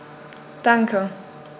Danke.